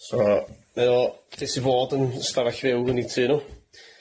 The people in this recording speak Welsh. So, mae o, jest i fod yn ystafell fyw fewn i tŷ nhw